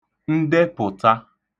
ndepụ̀ta